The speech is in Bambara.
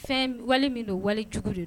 Fɛn wali min wale jugu de